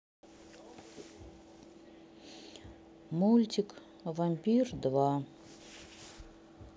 мультик вампир два